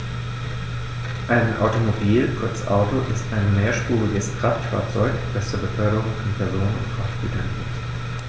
Ein Automobil, kurz Auto, ist ein mehrspuriges Kraftfahrzeug, das zur Beförderung von Personen und Frachtgütern dient.